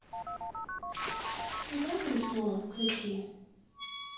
игра престолов включи